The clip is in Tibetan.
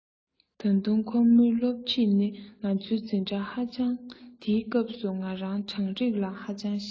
ད དུང ཁོ མོའི སློབ ཁྲིད ནི ང ཚོའི འཛིན གྲྭ ཧ ཅང དེའི སྐབས སུ ང རང གྲངས རིག ལ ཧ ཅང ཞན